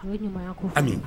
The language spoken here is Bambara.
Hamidu Mayakɔ Ami